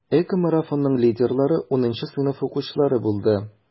ЭКОмарафонның лидерлары 10 сыйныф укучылары булды.